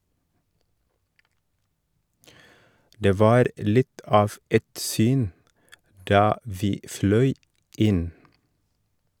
- Det var litt av et syn da vi fløy inn.